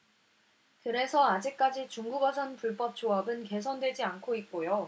그래서 아직까지 중국어선 불법조업은 개선되지 않고 있고요